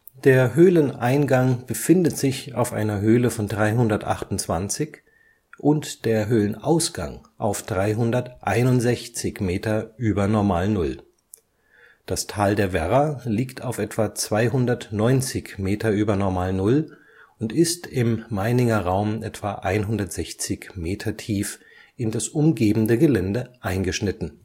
Der Höhleneingang befindet sich auf einer Höhe von 328 und der Höhlenausgang auf 361 Meter über Normalnull. Das Tal der Werra liegt auf etwa 290 Meter über Normalnull und ist im Meininger Raum etwa 160 Meter tief in das umgebende Gelände eingeschnitten